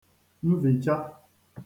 nvicha